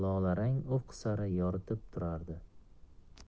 lolarang ufq sari yo'ritib turardi